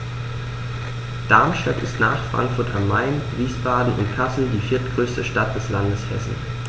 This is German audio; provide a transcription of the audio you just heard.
Darmstadt ist nach Frankfurt am Main, Wiesbaden und Kassel die viertgrößte Stadt des Landes Hessen